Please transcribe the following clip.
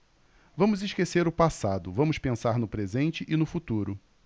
vamos esquecer o passado vamos pensar no presente e no futuro